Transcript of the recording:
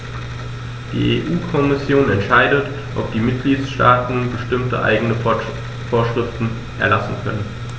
Die EU-Kommission entscheidet, ob die Mitgliedstaaten bestimmte eigene Vorschriften erlassen können.